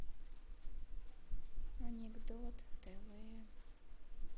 анекдот тв